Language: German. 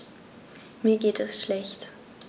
Mir geht es schlecht.